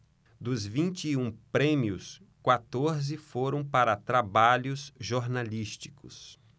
dos vinte e um prêmios quatorze foram para trabalhos jornalísticos